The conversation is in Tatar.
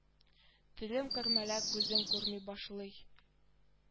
Телем көрмәлә күзем күрми башлый